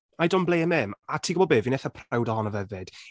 I don’t blame him. A ti'n gwybod be? Fi’n eitha prowd ohono fe 'fyd.